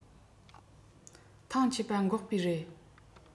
ཐང ཆད པ འགོག པའི རེད